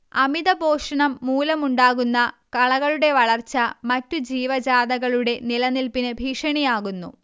അമിതപോഷണം മൂലമുണ്ടാകുന്ന കളകളുടെ വളർച്ച മറ്റുജീവജാതകളുടെ നിലനിൽപിന് ഭീഷണിയാകുന്നു